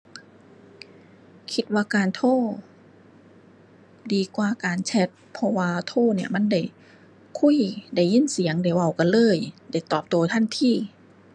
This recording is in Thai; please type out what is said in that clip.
คิดว่าการโทรดีกว่าการแชต เพราะว่าโทรเนี่ยมันได้คุย ได้ยินเสียง ได้เว้ากันเลย ได้ตอบโต้ทันที